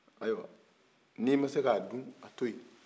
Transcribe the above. ayiwa n'e ma se ka dun a to yen